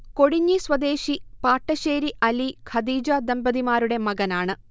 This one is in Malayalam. കൊടിഞ്ഞി സ്വദേശി പാട്ടശ്ശേരി അലി -ഖദീജ ദമ്പതിമാരുടെ മകനാണ്